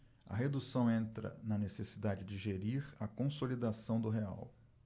a redução entra na necessidade de gerir a consolidação do real